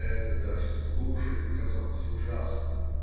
Это даже слушать казалось ужасно!